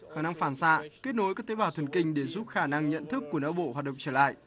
khả năng phản xạ kết nối các tế bào thần kinh để giúp khả năng nhận thức của não bộ hoạt động trở lại